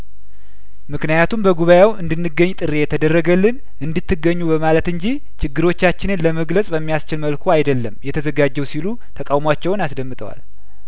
ምክንያቱም በጉባኤው እንድንገኝ ጥሪ የተደረገልን እንድትገኙ በማለት እንጂ ችግሮቻችንን ለመግለጽ በሚያስችል መልኩ አይደለም የተዘጋጀው ሲሉ ተቃውሟቸውን አስደምጠዋል